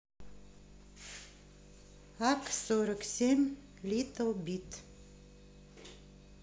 ак сорок семь литтл биг